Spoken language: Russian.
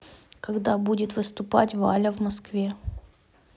когда будет выступать валя в москве